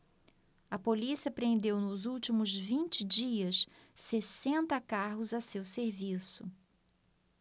a polícia apreendeu nos últimos vinte dias sessenta carros a seu serviço